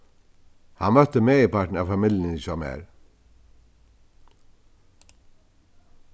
hann møtti meginpartin av familjuni hjá mær